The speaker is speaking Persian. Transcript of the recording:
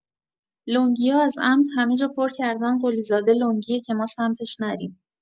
لنگیا از عمد همجا پر کردن قلیزاده لنگیه که ما سمتش نریم